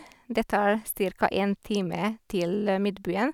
Det tar cirka én time til midtbyen.